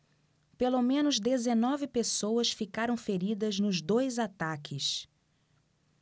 pelo menos dezenove pessoas ficaram feridas nos dois ataques